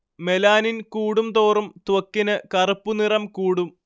melanin കൂടുംതോറും ത്വക്കിന് കറുപ്പു നിറം കൂടും